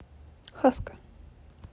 хаска